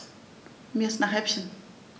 Mir ist nach Häppchen.